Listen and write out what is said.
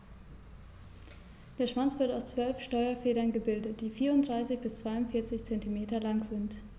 Der Schwanz wird aus 12 Steuerfedern gebildet, die 34 bis 42 cm lang sind.